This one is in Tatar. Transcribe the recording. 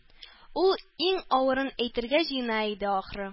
Ул иң авырын әйтергә җыена иде, ахры